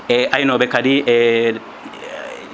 e aynoɓe kadi e